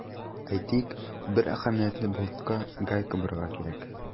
Әйтик, бер әһәмиятле болтка гайка борырга кирәк.